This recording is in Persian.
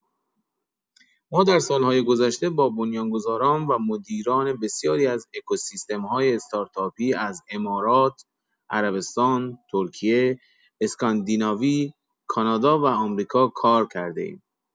ما در سال‌های گذشته با بنیان‌گذاران و مدیران بسیاری از اکوسیستم‌های استارتاپی از امارات، عربستان، ترکیه، اسکاندیناوی، کانادا و آمریکا کار کرده‌ایم.